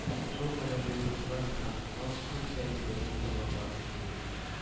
Шул кадәрле игътибар һәм наз көн саен тәти торган бәхет түгел